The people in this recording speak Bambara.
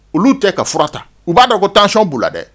Olu tɛ ka furata u b'a dɔn ko taacɔn bu la dɛ